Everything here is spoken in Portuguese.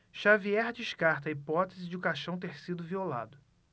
xavier descarta a hipótese de o caixão ter sido violado